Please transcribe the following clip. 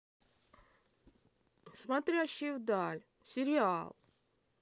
смотрящие вдаль сериал